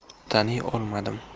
taniy olmadim